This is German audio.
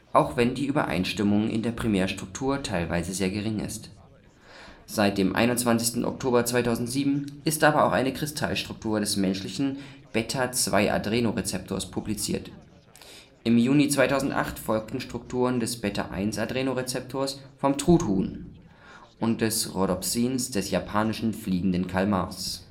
auch wenn die Übereinstimmung in der Primärstruktur teilweise sehr gering ist. Seit dem 21. Oktober 2007 ist aber auch eine Kristallstruktur des menschlichen β2-Adrenozeptors publiziert. Im Juni 2008 folgten Strukturen des β1-Adrenozeptors vom Truthuhn (Meleagris gallopavo) und des Rhodopsins des Japanischen Fliegenden Kalmars